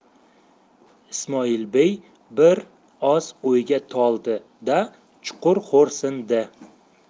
ismoilbey bir oz o'yga toldi da chuqur xo'rsindi